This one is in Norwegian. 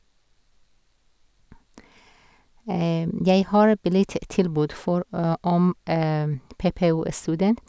Jeg har blitt tilbud for om PPU-student.